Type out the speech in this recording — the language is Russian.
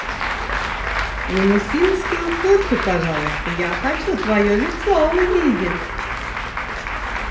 минусинскую фотку пожалуйста я хочу твое лицо увидеть